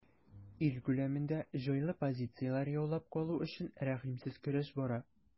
Ил күләмендә җайлы позицияләр яулап калу өчен рәхимсез көрәш бара.